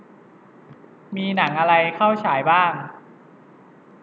มีหนังอะไรเข้าฉายบ้าง